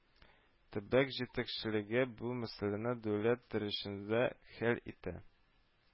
Төбәк җитәкчелеге бу мәсьәләне дәүләт дәрәҗәсендә хәл итә